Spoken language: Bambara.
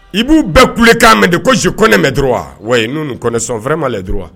I b'u bɛɛ kulekan mɛn de kosi kɔnɛmɛ dɔrɔn wa wa n'u kɔnnɛsɔn fɛrɛmalɛ dɔrɔn wa